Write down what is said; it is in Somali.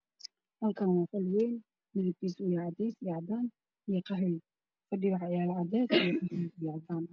Halkan waa qol midabkiisu yahay cadaan iyo cadeys wax yaalo fadhi